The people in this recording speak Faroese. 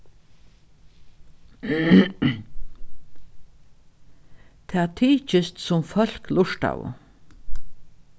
tað tykist sum fólk lurtaðu